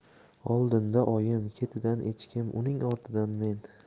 oldinda oyim ketidan echkim uning ortidan men